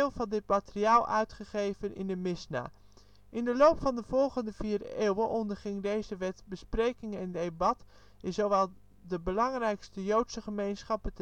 van dit materiaal uitgegeven in de Misjna. In de loop van de volgende vier eeuwen onderging deze wet bespreking en debat in zowel de belangrijkste joodse gemeenschappen